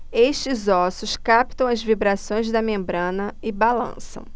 estes ossos captam as vibrações da membrana e balançam